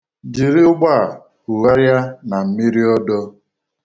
Jiri ụgbọ a hugharịa na mmiri Odo.